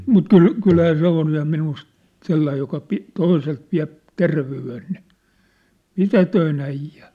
mutta kyllä kyllähän se on ja minusta sellainen joka - toiselta vie terveyden niin mitätön äijä